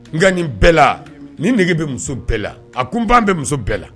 Nka ni bɛɛ la ni nege bɛ muso bɛɛ la, a kuban bɛ muso bɛɛ la